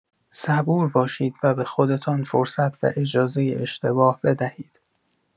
صبور باشید و به خودتان فرصت و اجازه اشتباه بدهید.